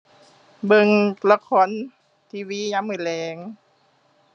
เบิ่งละคร TV ยามมื้อแลง